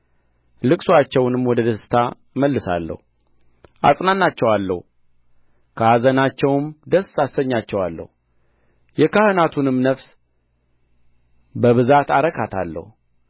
ልቅሶአቸውንም ወደ ደስታ እመልሳለሁ አጽናናቸውማለሁ ከኅዘናቸውም ደስ አሰኛቸዋለሁ የካህናቱንም ነፍስ በብዛት አረካታለሁ